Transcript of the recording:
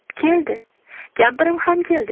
keldi kampirim ham keldi